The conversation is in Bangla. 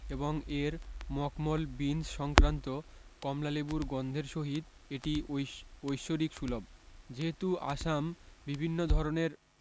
এবং এর মখমল বিন্স সংক্রান্ত কমলালেবুর গন্ধের সহিত এটি ঐশ্বরিকসুলভ যেহেতু আসাম বিভিন্ন ধরণের